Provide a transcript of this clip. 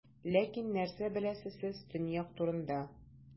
Ләкин нәрсә беләсез сез Төньяк турында?